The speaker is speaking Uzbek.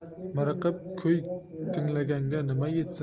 miriqib kuy tinglaganga nima yetsin